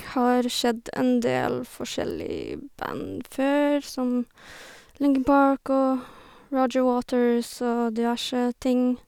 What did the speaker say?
Har sett en del forskjellige band før, som Linkin Park og Roger Waters og diverse ting.